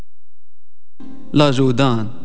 لا جودان